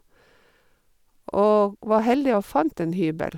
Og var heldig og fant en hybel.